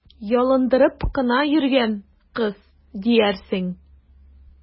Ялындырып кына йөргән кыз диярсең!